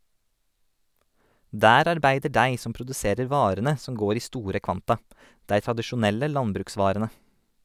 Der arbeider dei som produserer varene som går i store kvanta, dei tradisjonelle landbruksvarene.